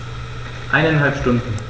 Eineinhalb Stunden